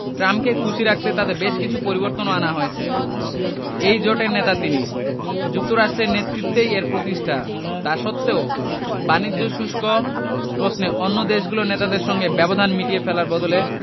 ট্রাম্পকে খুশি রাখতে তাতে বেশ কিছু পরিবর্তনও আনা হয়েছে এই জোটের নেতা তিনি যুক্তরাষ্ট্রের নেতৃত্বেই এর প্রতিষ্ঠা তা সত্ত্বেও বাণিজ্য শুল্ক প্রশ্নে অন্য দেশগুলোর নেতাদের সঙ্গে ব্যবধান মিটিয়ে ফেলার বদলে